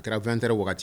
Tarawele vtɛ waati